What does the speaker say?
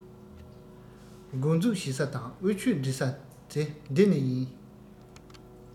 མགོ འཛུགས བྱེད ས དང དབུ ཁྱུད འབྲི ས དེ འདི ནས ཡིན